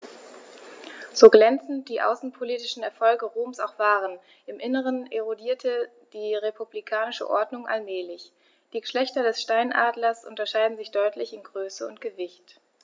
So glänzend die außenpolitischen Erfolge Roms auch waren: Im Inneren erodierte die republikanische Ordnung allmählich. Die Geschlechter des Steinadlers unterscheiden sich deutlich in Größe und Gewicht.